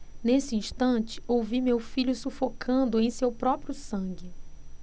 nesse instante ouvi meu filho sufocando em seu próprio sangue